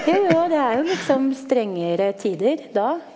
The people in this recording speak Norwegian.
jo jo det er jo liksom strengere tider da.